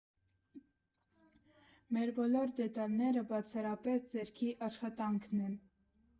«Մեր բոլոր դետալները բացառապես ձեռքի աշխատանք են։